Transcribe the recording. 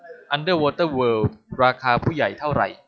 อันเดอร์วอเตอร์เวิล์ดราคาผู้ใหญ่เท่าไหร่